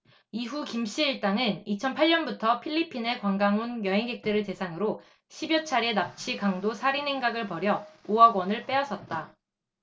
이후 김씨 일당은 이천 팔 년부터 필리핀에 관광온 여행객들을 대상으로 십 여 차례 납치 강도 살인 행각을 벌여 오 억원을 빼앗았다